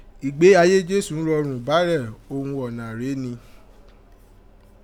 Igbe ayé Jesu rọrọ̀n bárẹ̀ òghun ọ̀nà rè éè ni.